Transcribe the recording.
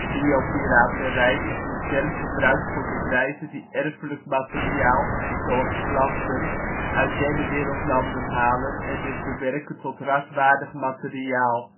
Biopiraterij is de term gebruikt voor bedrijven die erfelijk materiaal, zoals planten, uit derde wereldlanden halen en dit bewerken tot raswaardig materiaal